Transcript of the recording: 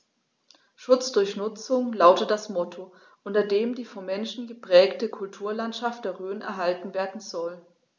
„Schutz durch Nutzung“ lautet das Motto, unter dem die vom Menschen geprägte Kulturlandschaft der Rhön erhalten werden soll.